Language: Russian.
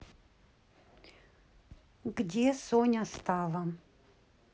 где соня стала